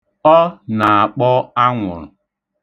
Ọ na-akpọ anwụrụ.